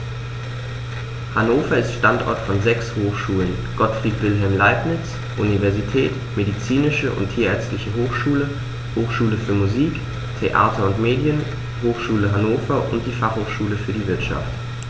Hannover ist Standort von sechs Hochschulen: Gottfried Wilhelm Leibniz Universität, Medizinische und Tierärztliche Hochschule, Hochschule für Musik, Theater und Medien, Hochschule Hannover und die Fachhochschule für die Wirtschaft.